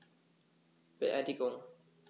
Beerdigung